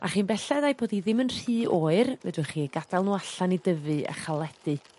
A chyn belled ai bod hi ddim yn rhy oer fedrwch chi eu gadal n'w allan i dyfu a chaledu.